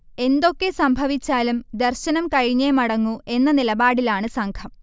എന്തൊക്കെ സംഭവിച്ചാലും ദർശനം കഴിഞ്ഞേമടങ്ങൂ എന്ന നിലപാടിലാണ് സംഘം